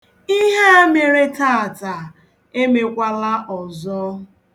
Ihe a mere taata, emekwala ọzọ.